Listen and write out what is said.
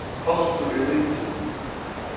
koltur er lítil